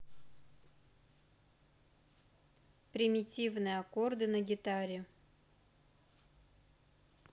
примитивные аккорды на гитаре